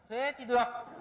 thế thì được